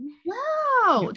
Waw!